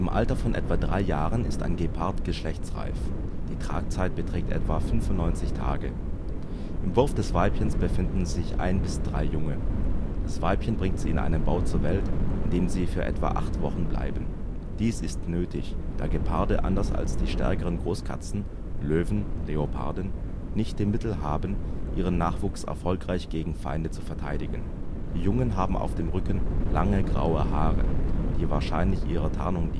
Alter von etwa drei Jahren ist ein Gepard geschlechtsreif. Die Tragzeit beträgt etwa 95 Tage. Im Wurf des Weibchens befinden sich ein bis drei Junge. Das Weibchen bringt sie in einem Bau zur Welt, in dem sie für etwa acht Wochen bleiben. Dies ist nötig, da Geparde anders als die stärkeren Großkatzen (Löwen, Leoparden) nicht die Mittel haben, ihren Nachwuchs erfolgreich gegen Feinde zu verteidigen. Die Jungen haben auf dem Rücken lange graue Haare, die wahrscheinlich ihrer Tarnung